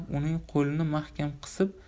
uning qo'lini mahkam qisib